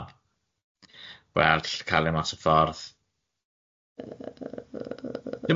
O, wel, cael e mas o ffordd.